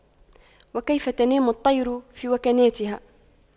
وكيف تنام الطير في وكناتها